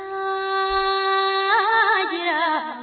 Sangɛnin yo